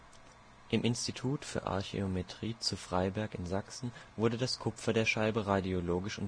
Im Institut für Archäometrie zu Freiberg in Sachsen wurde das Kupfer der Scheibe radiologisch